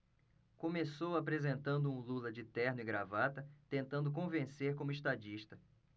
começou apresentando um lula de terno e gravata tentando convencer como estadista